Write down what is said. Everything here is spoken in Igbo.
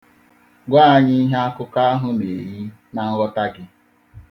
Gwa anyị ihe akụkọ ahụ na-eyi na nghọta gị.